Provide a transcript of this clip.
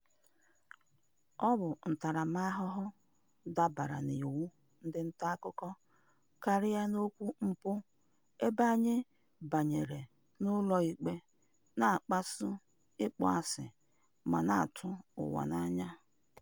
Ọ bụ ntaramahụhụ dabara n'iwu ndị ntaakụkọ karịa n'okwu mpụ ebe anyị banyere n'ụlọikpe, na-akpasu ịkpọ asị ma na-atụ ụwa n'anya.